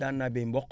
daan naa bay mboq